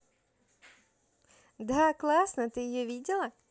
да классно ты ее видела